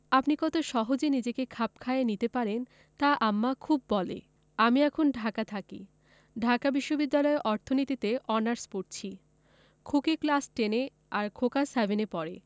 আপনি কত সহজে নিজেকে খাপ খাইয়ে নিতে পারেন তা আম্মা খুব বলে আমি এখন ঢাকা থাকি ঢাকা বিশ্ববিদ্যালয়ে অর্থনীতিতে অনার্স পরছি খুকি ক্লাস টেন এ আর খোকা সেভেন এ পড়ে